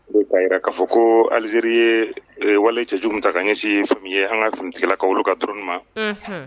O k'a fɔ ko alizeri ye wali cɛ jugu ta ka ɲɛse ye an ka sunjatatigila ka ka turun ma